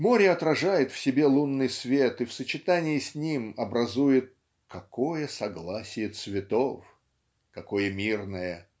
Море отражает в себе лунный свет и в сочетании с ним образует "какое согласие цветов какое мирное